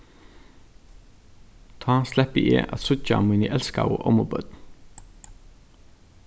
tá sleppi eg at síggja míni elskaðu ommubørn